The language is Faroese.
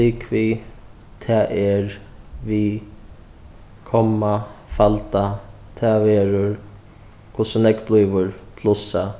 ligvið tað er við komma falda tað verður hvussu nógv blívur plussa